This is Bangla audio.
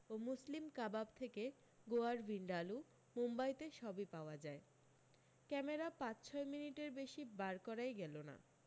ও মুসলিম কাবাব থেকে গোয়ার ভিন্ডালু মুম্বাইতে সবই পাওয়া যায় ক্যামেরা পাঁচ ছয় মিনিটের বেশী বার করাই গেল না